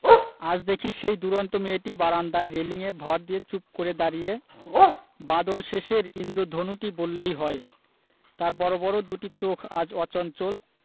আজ দেখি সেই দূরন্ত মেয়েটি বারান্দায় রেলিঙে ভর দিয়ে চুপ করে দাঁড়িয়ে বাদলশেষের ঈন্দ্রধনুটি বললেই হয় তার বড় বড় দুটি চোখ আজ অচঞ্চল